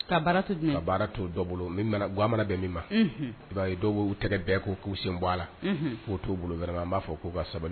Ka baara tɛ ka baara t' bolo ga mana bɛ min ma i b'a ye dɔw tɛgɛ bɛɛ ko k'u sen a la k'o t'u bolo wɛrɛ b'a fɔ k'u ka sabali